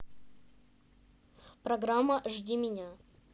программа жди меня